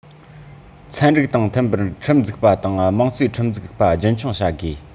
ཚན རིག དང མཐུན པར ཁྲིམས འཛུགས པ དང དམངས གཙོས ཁྲིམས འཛུགས པ རྒྱུན འཁྱོངས བྱ དགོས